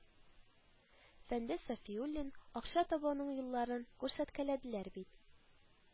Фәндәс Сафиуллин, акча табуның юлларын күрсәткәләделәр бит